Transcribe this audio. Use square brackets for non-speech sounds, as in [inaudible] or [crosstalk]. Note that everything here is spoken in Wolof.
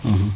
[hesitation] [hesitation]